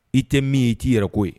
I tɛ min ye i'i yɛrɛ ko ye